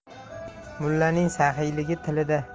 mullaning saxiyligi tilida